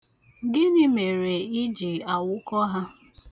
Gịnị mere ị ji awụkọ ha?